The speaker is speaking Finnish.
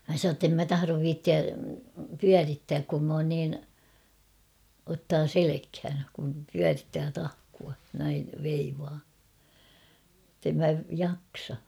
minä sanoin että en minä tahdo viitsiä pyörittää kun minä olen niin ottaa selkään kun pyörittää tahkoa näin veivaa että en minä jaksa